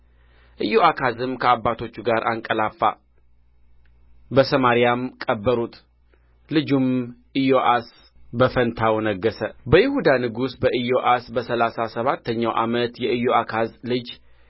ኢዮአካዝም ከአባቶቹ ጋር አንቀላፋ በሰማርያም ቀበሩት ልጁም ዮአስ በፋንታው ነገሠ በይሁዳ ንጉሥ በኢዮአስ በሠላሳ ሰባተኛው ዓመት የኢዮአካዝ ልጅ